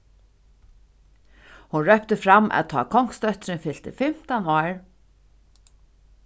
hon rópti fram at tá kongsdóttirin fylti fimtan ár